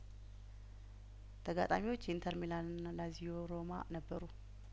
ተጋጣሚዎች ኢንተር ሚላንና ላዚዮ ሮማ ነበሩ